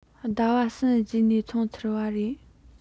ཟླ བ གསུམ རྗེས ནས བཙོང ཚར བ རེད